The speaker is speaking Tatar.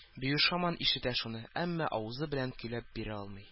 Биюш һаман ишетә шуны, әмма авызы белән көйләп бирә алмый.